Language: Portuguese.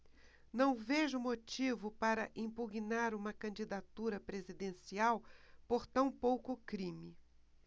não vejo motivo para impugnar uma candidatura presidencial por tão pouco crime